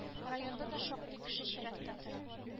Районда да шактый кеше чиратта тора